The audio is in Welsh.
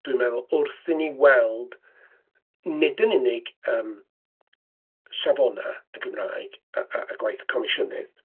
Dwi'n meddwl, wrth i ni weld nid yn unig yym Safonau y Gymraeg a a a gwaith y Comisiynydd.